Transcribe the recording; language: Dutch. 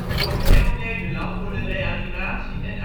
Door geheel Nederland worden reanimatie - en